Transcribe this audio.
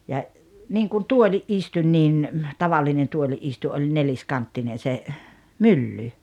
ja niin kuin tuolin istuin niin tavallinen tuolin istuin oli neliskanttinen se mylly